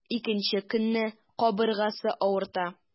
Икенче көнне кабыргасы авырта.